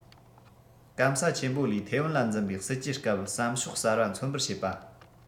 སྐམ ས ཆེན པོ ལས ཐའེ ཝན ལ འཛིན པའི སྲིད ཇུས སྐབས བསམ ཕྱོགས གསར པ མཚོན པར བྱེད པ